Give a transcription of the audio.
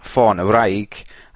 ffôn y wraig,